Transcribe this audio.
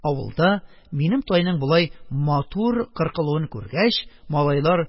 Авылда минем тайның болай матур кыркылуын күргәч, малайлар